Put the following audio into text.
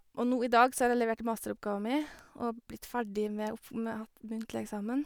Og nå i dag så har jeg levert masteroppgava mi, og blitt ferdig med opp med hatt muntlig eksamen.